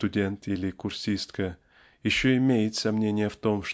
студент или курсистка -- еще имеет сомнение в том